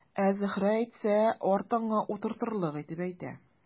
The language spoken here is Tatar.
Ә Зөһрә әйтсә, артыңа утыртырлык итеп әйтә.